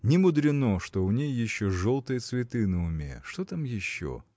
– Немудрено, что у ней еще желтые цветы на уме! Что там еще?